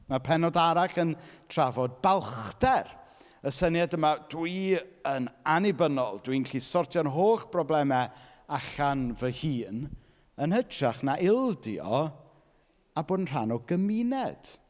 Ma' pennod arall yn trafod balchder. Y syniad yma "dwi yn anibynnol, dwi'n gallu sortio'n holl broblemau allan fy hun" yn hytrach na ildio a bod yn rhan o gymuned.